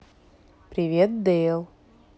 привет дейл